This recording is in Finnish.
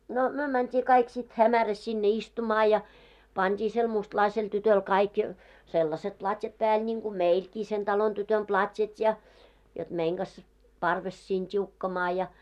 no me mentiin kaikki sitten hämärässä sinne istumaan ja pantiin sille mustalaiselle tytölle kaikki sellaiset platjat päälle niin kuin meilläkin sen talon tytön platjat ja jotta meidän kanssa parvessa siinä tiukkamaan ja